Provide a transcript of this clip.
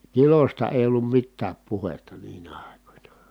kilosta ei ollut mitään puhetta niinä aikoina